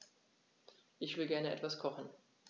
Ich will gerne etwas kochen.